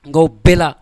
Nka o bɛɛ la